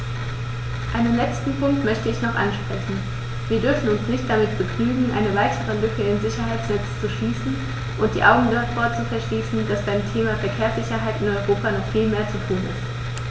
Einen letzten Punkt möchte ich noch ansprechen: Wir dürfen uns nicht damit begnügen, eine weitere Lücke im Sicherheitsnetz zu schließen und die Augen davor zu verschließen, dass beim Thema Verkehrssicherheit in Europa noch viel mehr zu tun ist.